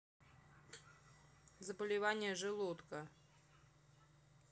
заболевание желудка